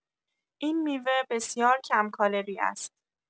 این میوه بسیار کم‌کالری است.